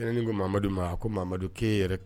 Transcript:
ko Mamadu ma ko Mamadu k'e yɛrɛ